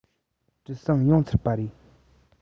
གྲུ གཟིངས ཡོངས ཚར པ རེད